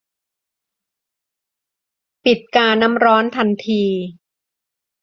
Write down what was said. ปิดกาน้ำร้อนทันที